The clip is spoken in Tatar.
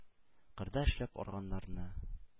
Кырда эшләп арганнарны,